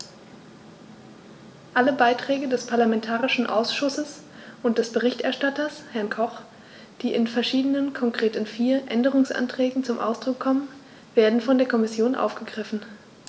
Alle Beiträge des parlamentarischen Ausschusses und des Berichterstatters, Herrn Koch, die in verschiedenen, konkret in vier, Änderungsanträgen zum Ausdruck kommen, werden von der Kommission aufgegriffen.